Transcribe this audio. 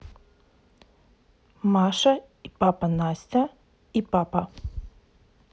маша и папа настя и папа